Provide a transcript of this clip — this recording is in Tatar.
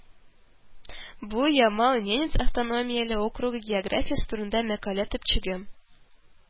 Бу Ямал-Ненец автономияле округы географиясе турында мәкалә төпчеге